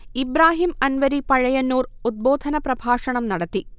ഇബ്രാഹിം അൻവരി പഴയന്നൂർ ഉദ്ബോധന പ്രഭാഷണം നടത്തി